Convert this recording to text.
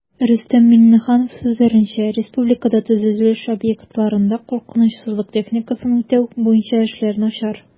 Рөстәм Миңнеханов сүзләренчә, республикада төзелеш объектларында куркынычсызлык техникасын үтәү буенча эшләр начар